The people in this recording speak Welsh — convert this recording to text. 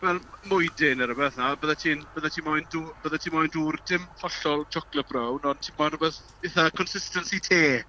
Fel mwydyn neu rywbeth nawr, bydde ti'n... byddet ti moyn dŵ- byddet ti moyn dŵr dim hollol chocolate brown, ond timod rhywbeth eitha' consistency tê.